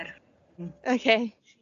Ok